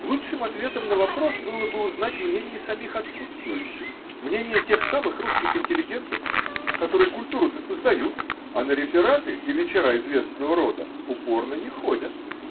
Лучшим ответом на вопрос было бы узнать мнение самих отсутствующих – мнение тех самых русских интеллигентов, которые культуру-то создают, а на рефераты и вечера известного рода упорно не ходят.